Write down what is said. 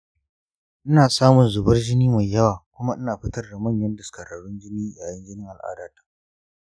ina samun zuvar jini mai yawa kuma ina fitar da manyan daskararrun jini yayin jinin al’adata.